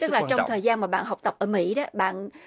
tức là trong thời gian mà bạn học tập ở mỹ bạn